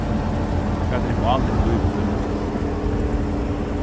hvat er málið í lívi tínum